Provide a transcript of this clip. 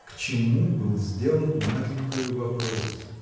к чему был сделан Наденькою вопрос?